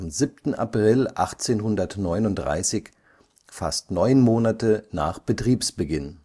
7. April 1839, fast neun Monate nach Betriebsbeginn